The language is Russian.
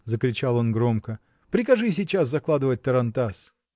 -- закричал он громко, -- прикажи сейчас закладывать тарантас.